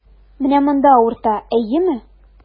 Менә монда авырта, әйеме?